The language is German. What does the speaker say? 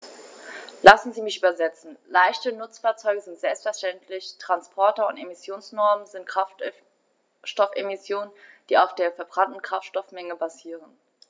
Lassen Sie mich übersetzen: Leichte Nutzfahrzeuge sind selbstverständlich Transporter, und Emissionsnormen sind Kraftstoffemissionen, die auf der verbrannten Kraftstoffmenge basieren.